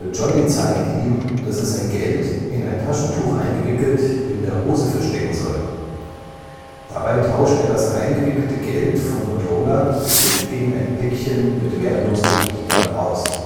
Johnny zeigt ihm, dass er sein Geld, in ein Taschentuch eingewickelt, in der Hose verstecken soll. Dabei tauscht er das eingewickelte Geld von Mottola geschickt gegen ein Päckchen mit wertlosem Papier aus